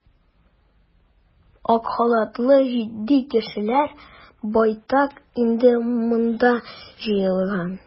Ак халатлы җитди кешеләр байтак инде монда җыелган.